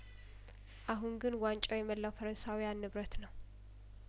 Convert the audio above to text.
አሁን ግን ዋንጫው የመላው ፈረንሳዊያን ንብረት ነው